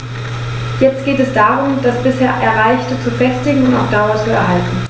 Jetzt geht es darum, das bisher Erreichte zu festigen und auf Dauer zu erhalten.